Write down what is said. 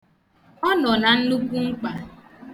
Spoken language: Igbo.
Ọ nọ na nnukwu mkpa.